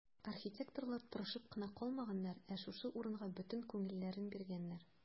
Архитекторлар тырышып кына калмаганнар, ә шушы урынга бөтен күңелләрен биргәннәр.